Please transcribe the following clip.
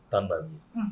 Tanba bi